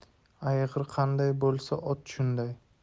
ayg'ir qanday bo'lsa ot shunday